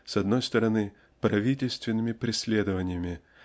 с одной стороны -- правительственными преследованиями